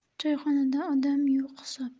choyxonada odam yo'q hisob